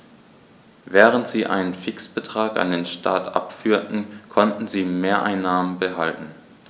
Während sie einen Fixbetrag an den Staat abführten, konnten sie Mehreinnahmen behalten.